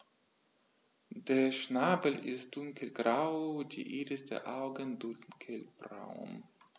Der Schnabel ist dunkelgrau, die Iris der Augen dunkelbraun.